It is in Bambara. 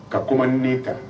Ka kumamanin ta